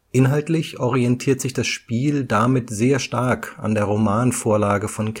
Inhaltlich orientiert sich das Spiel damit sehr stark an der Romanvorlage von